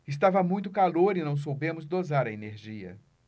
estava muito calor e não soubemos dosar a energia